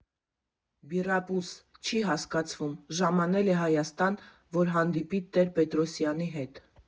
Բիրապուս (չի հասկացվում) ժամանել է Հայաստան, որ հանդիպի Տեր֊֊Պետրոսյանի հետ։